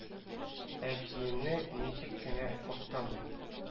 Ә киемне ничек кенә мактамый